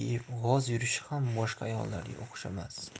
g'oz yurishi ham boshqa ayollarga o'xshamas